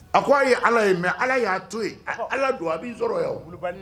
A ko a ye ala ye mɛ ala y'a to don a sɔrɔ